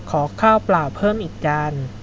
ขอข้าวเปล่่าเพิ่มอีกจาน